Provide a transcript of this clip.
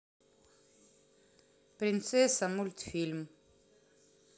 принцесса мультфильм